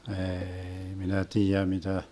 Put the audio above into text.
ei minä tiedä mitä